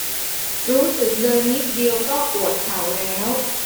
รู้สึกเดินนิดเดียวก็ปวดเข่าแล้ว